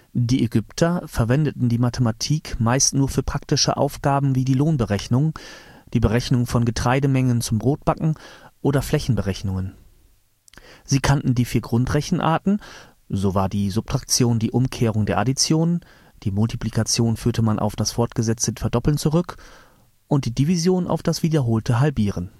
Die Ägypter verwendeten die Mathematik meist nur für praktische Aufgaben wie die Lohnberechnung, die Berechnung von Getreidemengen zum Brotbacken oder Flächenberechnungen. Sie kannten die vier Grundrechenarten, so war die Subtraktion die Umkehrung der Addition, die Multiplikation führte man auf das fortgesetzte Verdoppeln zurück und die Division auf das wiederholte Halbieren